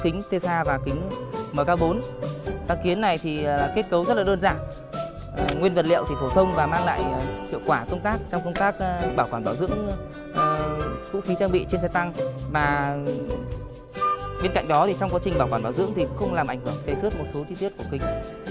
tính tê sa và kính mờ ca bốn sáng kiến này thì kết cấu rất là đơn giản nguyên vật liệu thì phổ thông và mang lại hiệu quả công tác trong công tác bảo quản bảo dưỡng vũ khí trang bị trên xe tăng mà bên cạnh đó thì trong quá trình bảo quản bảo dưỡng thì không làm ảnh hưởng trầy xước một số chi tiết của kính